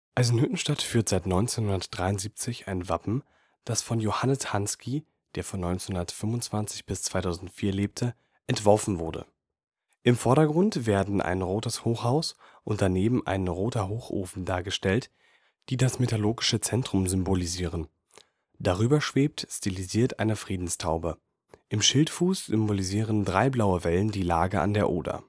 Eisenhüttenstadt führt seit 1973 ein Wappen, das von Johannes Hansky (1925 – 2004) entworfen wurde. Im Vordergrund werden ein rotes Hochhaus und daneben ein roter Hochofen dargestellt, die das metallurgische Zentrum symbolisieren. Darüber schwebt stilisiert eine Friedenstaube. Im Schildfuß symbolisieren drei blaue Wellen die Lage an der Oder